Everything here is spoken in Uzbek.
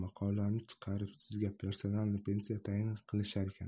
maqolani chiqarib sizga personalniy pensiya tayin qilisharkan